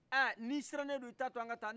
ɛɛ ni i sirannen i t' a to an ka taa